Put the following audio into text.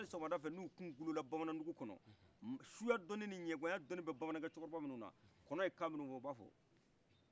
ali sɔgomada fɛ n'u tun kulela bamanan dugu kɔnɔ suya dɔni ni ɲɛgan ya dɔni bɛ bamanan kɛ cɛkɔrɔba minuna kɔnɔ ye kan minu fɔ u bafɔ